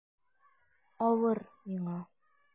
Авыр миңа...